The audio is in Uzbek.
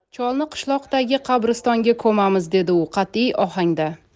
cholni qishloqdagi qabristonga ko'mamiz dedi u qat'iy ohangda